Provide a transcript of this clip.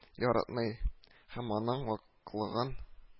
Яратмый һәм аның ваклыгын